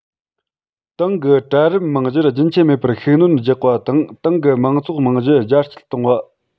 ཏང གི གྲལ རིམ རྨང གཞིར རྒྱུན ཆད མེད པར ཤུགས སྣོན རྒྱག པ དང ཏང གི མང ཚོགས རྨང གཞི རྒྱ སྐྱེད གཏོང བ